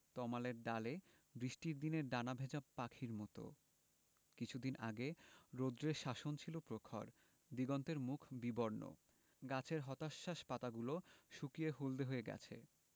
তমালের ডালে বৃষ্টির দিনে ডানা ভেজা পাখির মত কিছুদিন আগে রৌদ্রের শাসন ছিল প্রখর দিগন্তের মুখ বিবর্ণ গাছের হতাশ্বাস পাতাগুলো শুকিয়ে হলদে হয়ে গেছে